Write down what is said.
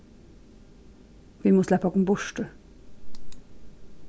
vit mugu sleppa okkum burtur